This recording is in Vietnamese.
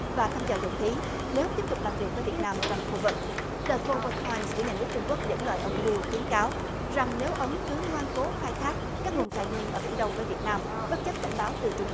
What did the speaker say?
và thăm dò dầu khí nếu tiếp tục làm việc với việt nam trong khu vực cờ cô rô khoan của nhà nước trung guốc dẫn lời ông liu khuýn cáo rằng nếu ấn cứ ngoan cố khai thác các ngùn tài nguyn ở biển đông với việt nam bất chấp cảnh báo từ trung